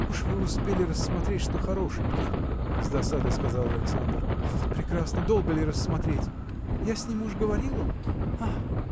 – Уж вы успели рассмотреть, что хорошенький! – с досадой сказал Александр. – Вот прекрасно! долго ли рассмотреть? Я с ним уж говорила. Ах!